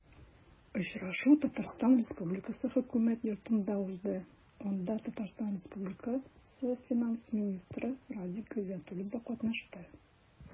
Очрашу Татарстан Республикасы Хөкүмәт Йортында узды, анда ТР финанс министры Радик Гайзатуллин да катнашты.